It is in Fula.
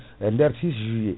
e nder 6 juillet